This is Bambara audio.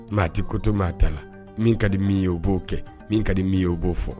Maa tɛ koto maa ta la min ka di min ye o b'o kɛ min ka di min ye o b'o fɔ